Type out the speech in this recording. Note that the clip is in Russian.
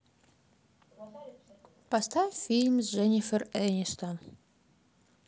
поставь фильм с дженнифер энистон